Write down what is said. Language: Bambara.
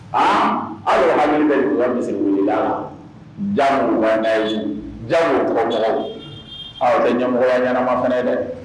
A aw ye min bɛ bisimila wulila la jaana ja kɔrɔ aw tɛ ɲɛmɔgɔ ɲɛnaanama fana ye dɛ